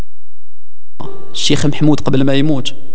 الشيخ محمود قبل ما يموت